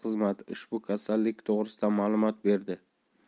xizmati ushbu kasallik to'g'risida ma'lumot berdi